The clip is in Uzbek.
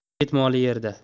yigit moli yerda